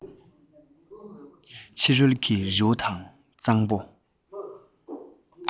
ཕྱི རོལ གྱི རི བོ དང གཙང པོ